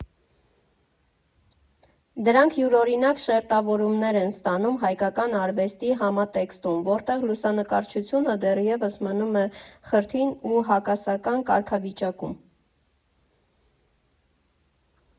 Դրանք յուրօրինակ շերտավորումներ են ստանում հայկական արվեստի համատեքստում, որտեղ լուսանկարչությունը դեռևս մնում է խրթին ու հակասական կարգավիճակում։